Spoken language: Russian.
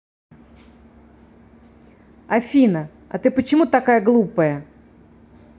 афина а ты почему такая глупая